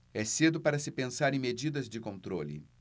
é cedo para se pensar em medidas de controle